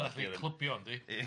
Mynd i clybio yndi?